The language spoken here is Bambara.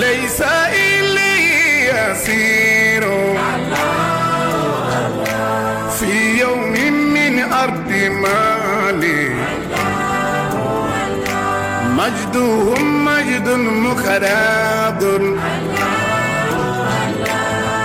lesa se laban sigiyɔrɔ minmini a bɛ ma le majito h majidon numu kɛra5 la